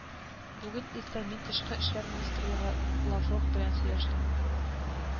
Бүген иртән мин тышкы эшләр министры Лавров белән сөйләштем